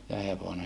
ja hevonen